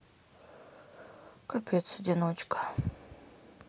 капец одиночка